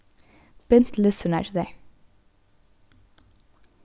bint lissurnar hjá tær